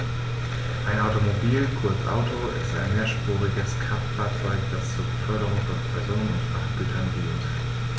Ein Automobil, kurz Auto, ist ein mehrspuriges Kraftfahrzeug, das zur Beförderung von Personen und Frachtgütern dient.